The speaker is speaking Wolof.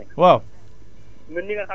waa ñu jël ko ñu xool allo